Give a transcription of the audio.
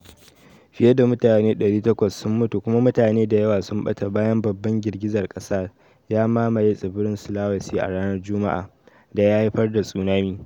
Fiye da mutane 800 sun mutu kuma mutane da yawa sun bata bayan babban girgizar kasa ya mamaye tsibirin Sulawesi a ranar Jumma'a, yayin da ya haifar da tsunami.